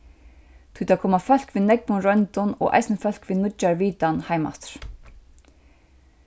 tí tað koma fólk við nógvum royndum og eisini fólk við nýggjari vitan heimaftur